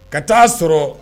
Ka taa'a sɔrɔ